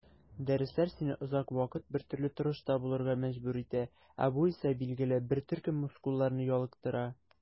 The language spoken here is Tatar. Дәресләр сине озак вакыт бертөрле торышта булырга мәҗбүр итә, ә бу исә билгеле бер төркем мускулларны ялыктыра.